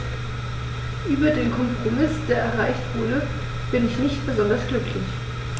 Über den Kompromiss, der erreicht wurde, bin ich nicht besonders glücklich.